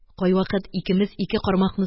Кайвакыт икемез ике кармакны